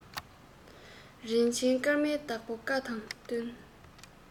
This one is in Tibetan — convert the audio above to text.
རིན ཆེན སྐར མའི བདག པོའི བཀའ དང བསྟུན